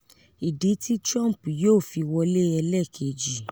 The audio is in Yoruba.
Idi ti Trump yoo fi wọle ẹlẹkeji